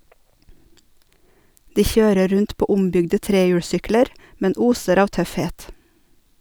De kjører rundt på ombygde trehjulssykler, men oser av tøffhet.